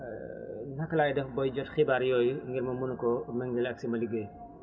naka laay def bay jot xibaar yooyu ngir ma mun koo méngale ak sama liggéey